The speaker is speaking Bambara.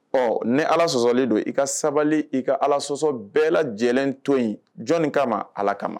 Ɔ ni allah sɔsɔli don i ka sabali i ka allah sɔsɔ bɛɛ lajɛlen to yen jɔnni ka ma? Allah kama.